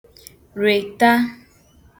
rịtà